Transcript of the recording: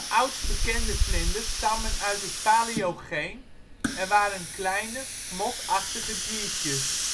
oudst bekende vlinders stammen uit het Paleogeen en waren kleine, mot-achtige diertjes